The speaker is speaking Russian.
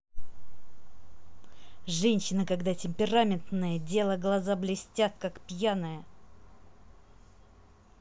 женщина когда темпераментная дело глаза блестят как пьяная